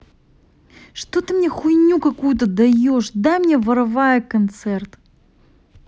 что ты мне хуйню какую даешь дай мне вороваек концерт